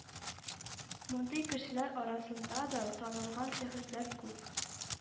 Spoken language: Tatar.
Мондый кешеләр арасында да танылган шәхесләр күп